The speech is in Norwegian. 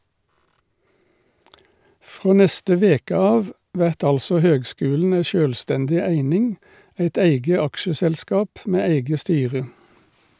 Frå neste veke av vert altså høgskulen ei sjølvstendig eining, eit eige aksjeselskap med eige styre.